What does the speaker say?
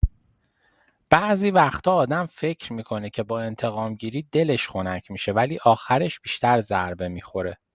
بعضی وقتا آدم فکر می‌کنه که با انتقام‌گیری دلش خنک می‌شه، ولی آخرش بیشتر ضربه می‌خوره.